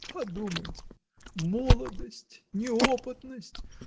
-- Подумайте: молодость, неопытность.